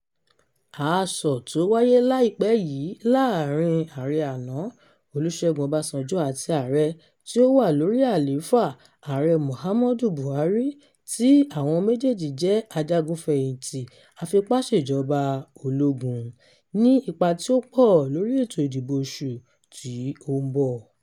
Asọ̀ tí ó wáyé láìpẹ́ yìí láàárín Ààrẹ àná, Olúsẹ́gun Ọbásanjọ́ àti Ààrẹ tí ó wà lórí àlééfà, Ààrẹ Muhammadu Buhari – tí àwọn méjèèjì jẹ́ ajagun fẹ̀yìntì afipásèjọba ológun –ní ipa tí ó pọ̀ lórí ètò ìdìbò oṣù tí ó ń bọ̀.